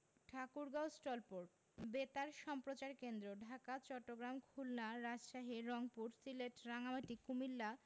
Thakurgaon stall port বেতার সম্প্রচার কেন্দ্রঃ ঢাকা চট্টগ্রাম খুলনা রাজশাহী রংপুর সিলেট রাঙ্গামাটি কুমিল্লা